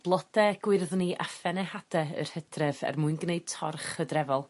blode gwyrddni a phenne hade yr Hydref er mwyn gneud torch Hydrefol.